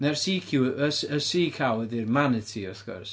Neu'r sea ciw- y s- s- sea cow ydy'r manatee wrth gwrs.